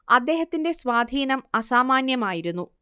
അദ്ദേഹത്തിന്റെ സ്വാധീനം അസാമാന്യമായിരുന്നു